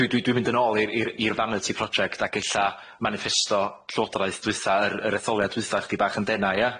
Dwi dwi dwi'n mynd yn ôl i'r i'r i'r fanity project ag ella manifesto llywodraeth dwitha yr yr etholiad dwitha chydig bach yn dena ia?